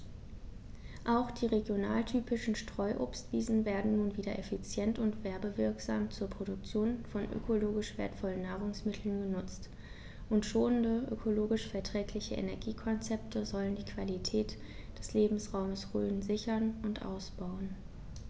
Auch die regionaltypischen Streuobstwiesen werden nun wieder effizient und werbewirksam zur Produktion von ökologisch wertvollen Nahrungsmitteln genutzt, und schonende, ökologisch verträgliche Energiekonzepte sollen die Qualität des Lebensraumes Rhön sichern und ausbauen.